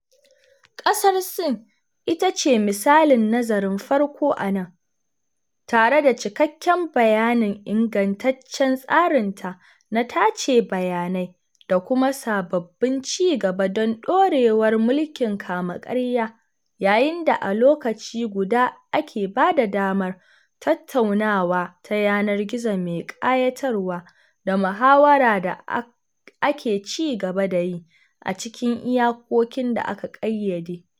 Ƙasar Sin ita ce misalin nazarin farko a nan, tare da cikakken bayanin ingantaccen tsarinta na tace bayanai da kuma sababbin ci gaba don ɗorewar mulkin kama-karya, yayin da a lokaci guda ake ba da damar “…tattaunawa ta yanar gizo mai ƙayatarwa da muhawara da ake ci gaba da yi, a cikin iyakokin da aka ƙayyade.”